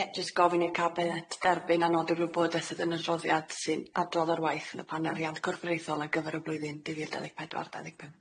Ie jyst gofyn i'r Cabinet dderbyn a nodi'r wybodaeth sydd yn'r adroddiad sy'n adrodd yr waith yn y Panel Rhiantu Corfforaethol ar gyfer y blwyddyn dwy fil dau ddeg pedwar dau ddeg pump